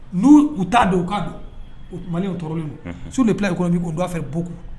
N'u u t'a don u ka don u maliɔrɔ min sun p ye kɔnɔfin' u b'a fɛ bo kun